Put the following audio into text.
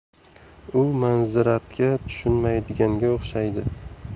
u manziratga tushunmaydiganga o'xshaydi